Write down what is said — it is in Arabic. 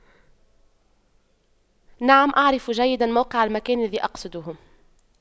نعم اعرف جيدا موقع المكان الذي أقصده